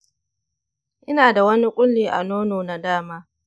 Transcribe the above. ina da wani ƙulli a nono na dama.